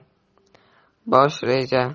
bosh reja